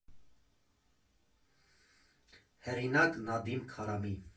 Հեղինակ՝ Նադիմ Քարամի։